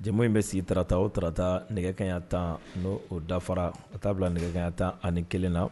Jama in bɛ sigi tata o taarata nɛgɛya tan n o dafara ka' bila nɛgɛya tan ani kelen na